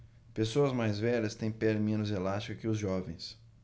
pessoas mais velhas têm pele menos elástica que os jovens